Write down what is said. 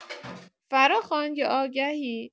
فراخوان یا آگهی